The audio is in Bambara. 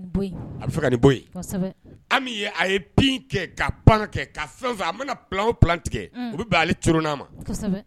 A bi fɛ ka nin bɔ yen. Ami a ye pi kɛ, ka pan kɛ . Ka fɛn fɛn a mana plan plan tigɛ o bi bɛn ale coron na ma.